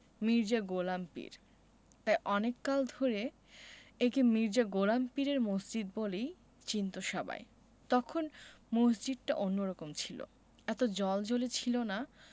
মির্জা গোলাম পীর তাই অনেক কাল ধরে একে মির্জা গোলাম পীরের মসজিদ বলেই চিনতো সবাই তখন মসজিদটা অন্যরকম ছিল এত জ্বলজ্বলে ছিল না